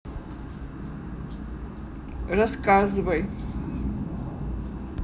рассказывай